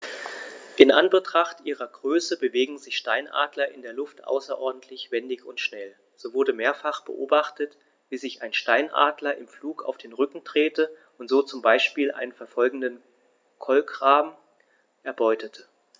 In Anbetracht ihrer Größe bewegen sich Steinadler in der Luft außerordentlich wendig und schnell, so wurde mehrfach beobachtet, wie sich ein Steinadler im Flug auf den Rücken drehte und so zum Beispiel einen verfolgenden Kolkraben erbeutete.